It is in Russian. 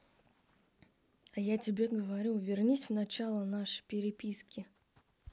а я тебе говорю вернись в начало наши переписки